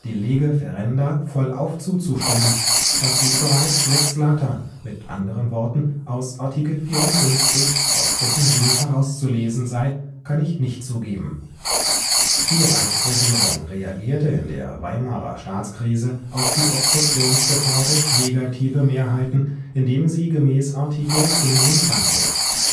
lege ferenda vollauf zuzustimmen; dass sie bereits lex lata, m. a. W. aus Art. 54 als dessen Sinn herauszulesen sei, kann ich nicht zugeben. “(S. 103) Die Reichsregierung reagierte in der Weimarer Staatskrise auf die Obstruktionsgefahr durch negative Mehrheiten, indem sie gemäß Artikel 25 (Parlamentsauflösungsrecht